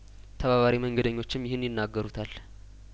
ተባባሪ መንገደኞችም ይህን ይናገሩታል